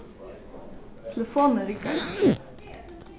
telefonin riggar ikki